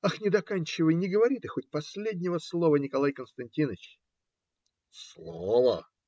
- Ах, не доканчивай, не говори ты хоть последнего слова, Николай Константиныч! - Слова?